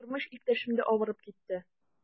Тормыш иптәшем дә авырып китте.